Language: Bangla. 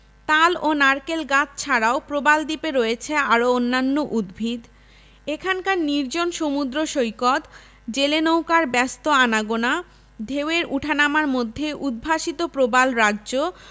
তাল ও নারকেল গাছ ছাড়াও প্রবাল দ্বীপে রয়েছে আরও অন্যান্য উদ্ভিদ এখানকার নির্জন সমুদ্র সৈকত জেলে নৌকার ব্যস্ত আনাগোনা ঢেউয়ের উঠানামার মধ্যে উদ্ভাসিত প্রবাল রাজ্য